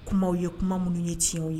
Kumaw ye kuma minnu ye tiɲɛw ye